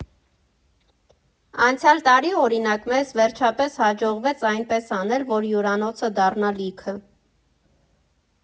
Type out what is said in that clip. Անցյալ տարի, օրինակ, մեզ վերջապես հաջողվեց այնպես անել, որ հյուրանոցը դառնա լիքը։